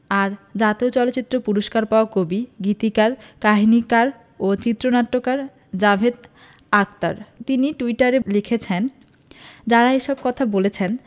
আর জাতীয় চলচ্চিত্র পুরস্কার পাওয়া কবি গীতিকার কাহিনিকার ও চিত্রনাট্যকার জাভেদ আখতার তিনি টুইটারে লিখেছেন যাঁরা এসব কথা বলছেন